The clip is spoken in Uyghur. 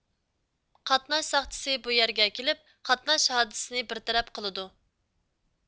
قاتناش ساقچىسى بۇ يەرگە كېلىپ قاتناش ھادىسىنى بىر تەرەپ قىلىدۇ